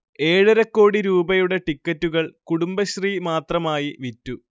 ഏഴരക്കോടി രൂപയുടെ ടിക്കറ്റുകൾ കുടുംബശ്രീ മാത്രമായി വിറ്റു